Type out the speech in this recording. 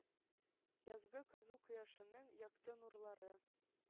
Язгы кызу кояшның якты нурлары,